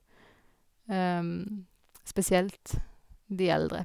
Spesielt de eldre.